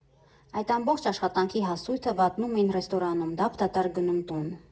Այդ ամբողջ աշխատանքի հասույթը վատնում էին ռեստորանում, դափ֊դատարկ գնում տուն։